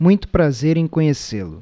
muito prazer em conhecê lo